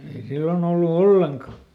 ei silloin ollut ollenkaan